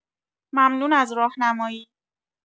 ممنون از راهنمایی